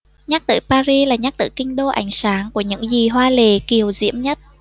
nhắc tới paris là nhắc tới kinh đô ánh sáng của những gì hoa lệ kiều diễm nhất